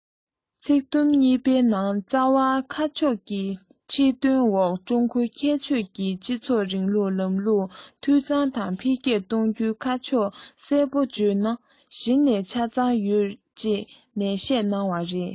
ཚིག དུམ གཉིས པའི ནང རྩ བའི ཁ ཕྱོགས ཀྱི ཁྲིད སྟོན འོག ཀྲུང གོའི ཁྱད ཆོས ཀྱི སྤྱི ཚོགས རིང ལུགས ལམ ལུགས འཐུས ཚང དང འཕེལ རྒྱས གཏོང རྒྱུའི ཁ ཕྱོགས གསལ པོ བརྗོད ན གཞི ནས ཆ ཚང ཡོད ཅེས ནན བཤད གནང བ རེད